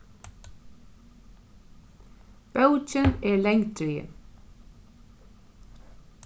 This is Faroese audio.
bókin er langdrigin